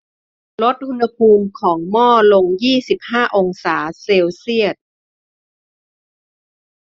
ลดอุณหภูมิของหม้อลงยี่สิบห้าองศาเซลเซียส